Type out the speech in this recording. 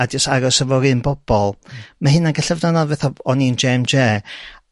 a jyst aros efo'r r'un bobol ma' hyna'n gallu bod yn anodd fatha oni'n je em je